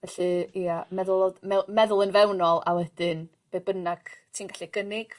Felly ia meddwl o me'w- meddwl yn fewnol a wedyn be' bynnag ti'n gallu gynnig